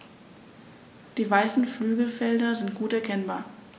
Die weißen Flügelfelder sind gut erkennbar.